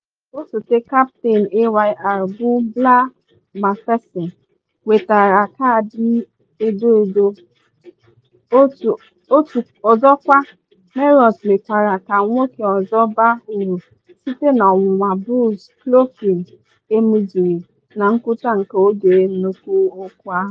Osote kaptịn Ayr bụ Blair Macpherson nwetara kaadị edo-edo, ọzọkwa, Melrose mekwara ka nwoke ọzọ baa uru site na ọnwụnwa Bruce Colvine emezughi, na ngwụcha nke oge nnukwu ọkụ ahụ.